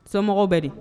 Somɔgɔw bɛ di